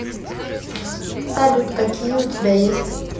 салют какие у тебя есть